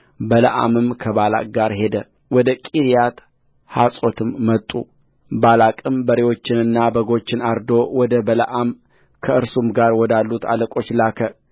በለዓምም ከባላቅ ጋር ሄደ ወደ ቂርያት ሐጾትም መጡባላቅም በሬዎችንና በጎችን አርዶ ወደ በለዓም ከእርሱም ጋር ወዳሉት አለቆች ላከ